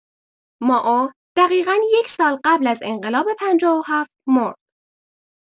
مائو دقیقا یک سال قبل از انقلاب ۵۷ مرد